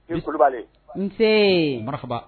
I Kulubali n see marihaba